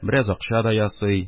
Бераз акча да ясый.